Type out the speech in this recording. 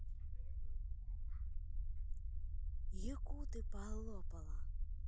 якуты полопала